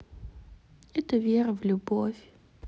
вера в любовь